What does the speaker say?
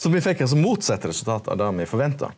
so me fekk altso motsett resultat av det me forventa.